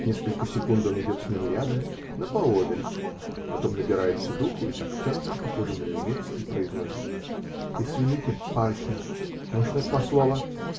Несколько секунд он идет с ними рядом, но поодаль, потом набирается духу и с акцентом, похожим на немецкий, произносит: -- Извините, барышни. можно два слова?